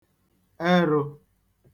erū